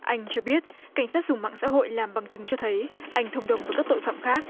anh cho biết cảnh sát dùng mạng xã hội làm bằng chứng cho thấy anh thông đồng với các tội phạm khác